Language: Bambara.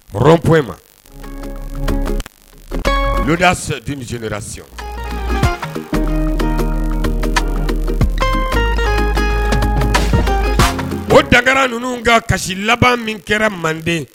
P ma y'a di la sisan o dankarara ninnu ka kasi laban min kɛra manden